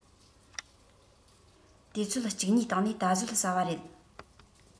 དུས ཚོད གཅིག གཉིས སྟེང ནས ད གཟོད ཟ བ རེད